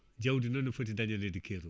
jaawdi noon ne foti dañanede keerol